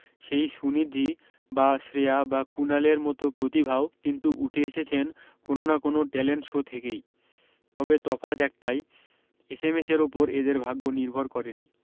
সেই সুনিধি বা শ্রেয়া বা কূণালের মতো প্রতিভাও কিন্তু উঠে এসেছেন কোনও না কোনও ট্যালেন্ট শো থেকেই তবে তফাত একটাই এসএমএসের ওপর এদের ভাগ্য নির্ভর করেনি